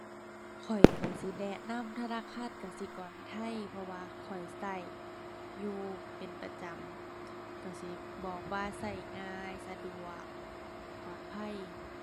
ข้อยก็สิแนะนำธนาคารกสิกรไทย เพราะว่าข้อยก็อยู่เป็นประจำ ก็สิบอกว่าก็ง่าย สะดวก ปลอดภัย